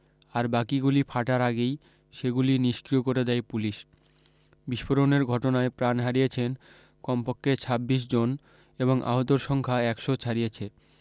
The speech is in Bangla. আর বাকিগুলি ফাটার আগেই সেগুলি নিষ্ক্রিয় করে দেয় পুলিশ বিস্ফোরণের ঘটনায় প্রাণ হারিয়েছেন কমপক্ষে ছাব্বিশ জন এবং আহতর সংখ্যা একশো ছাড়িয়েছে